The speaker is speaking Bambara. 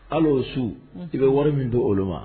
Ala'o su i bɛ wari min to olu ma